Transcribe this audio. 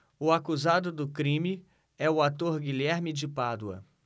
o acusado do crime é o ator guilherme de pádua